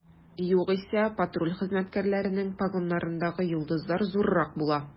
Югыйсә, патруль хезмәткәрләренең погоннарындагы йолдызлар зуррак була.